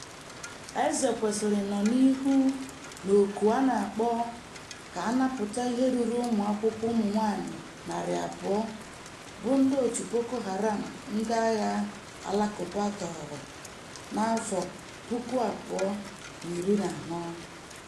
Ezekwesili nọ n'ihu n'oku a na-akpọ ka a napụta ihe ruru ụmụ akwụkwọ ụmụ nwaanyị 200 bụ ndị òtù Boko Haram ndị agha alakụba tọọrọ n'afọ 2014.